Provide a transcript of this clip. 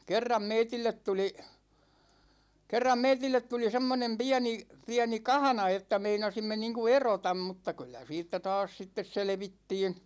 kerran meille tuli kerran meille tuli semmoinen pieni pieni kahna että meinasimme niin kuin erota mutta kyllä siitä taas sitten selvittiin